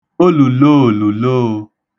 olùloòlùloō